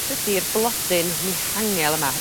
Dydi'r blodyn mihangel yma